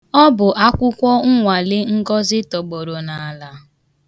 Ọ bụ akwụkwọ nnwale Ngozi tọgbọrọ n'ala.